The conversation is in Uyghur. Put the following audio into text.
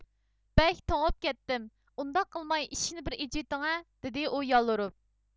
بەك توڭۇپ كەتتىم ئۇنداق قىلماي ئىشىكنى بىر ئېچىۋېتىڭا دىدى ئۇ يالۋۇرۇپ